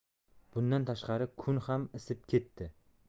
bundan tashqari kun ham isib ketdi